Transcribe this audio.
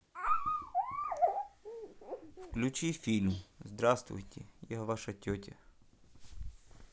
включи фильм здравствуйте я ваша тетя